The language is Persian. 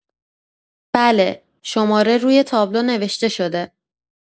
بله، شماره روی تابلو نوشته شده.